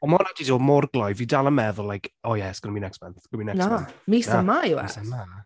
Mae hwnna ‘di dod mor glou, fi dal yn meddwl like, oh yeah, it’s going to be next month, it’s going to be next month... Na, mis yma yw e... Na mis yma.